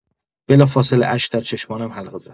بلافاصله اشک در چشمانم حلقه زد.